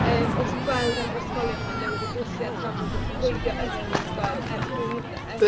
Yym o' ti'n gweld fel yr ysgolion yma le oedd y diwylliant yn amlwg wedi gwreiddio yn yr ysgol ers blynydde.